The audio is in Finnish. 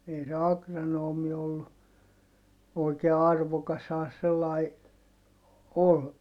ei se agronomi ollut oikein arvokashan se sellainen oli